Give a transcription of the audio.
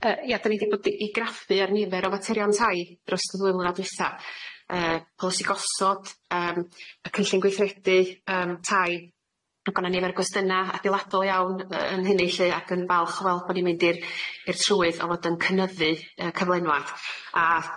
Yy ia 'dyn ni 'di bod i i graffu ar nifer o faterion tai drost y ddwy flynadd dwitha yy polisi gosod yym y cynllun gweithredu yym tai ag o' 'na nifer o gwestyna adeiladol iawn yy yn hynny lly ac yn falch wel' bo' ni'n mynd i'r i'r trwydd o fod yn cynyddu y cyflenwad a